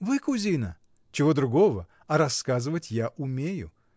— Вы, кузина; чего другого, а рассказывать я умею.